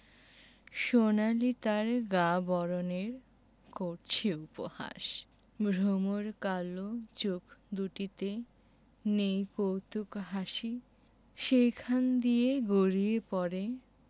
সোনালি তার গা বরণের করছে উপহাস ভমর কালো চোখ দুটিতে নেই কৌতুক হাসি সেখান দিয়ে গড়িয়ে পড়ে